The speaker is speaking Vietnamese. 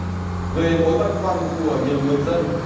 về mối băn khoăn của nhiều người dân